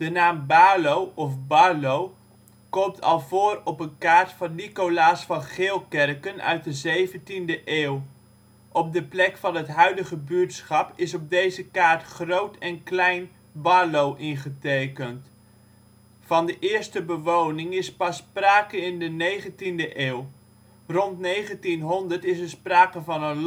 naam Baarlo of Barlo komt al voor op een kaart van Nicoleas van Geelkercken uit de zeventiende eeuw. Op de plek van het huidige buurtschap is op deze kaart Groot en Kleijn Barlo ingetekend. Van de eerste bewoning is pas sprake in de negentiende eeuw. Rond 1900 is er sprake van